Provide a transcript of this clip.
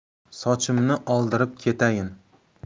sochimni oldirib ketayin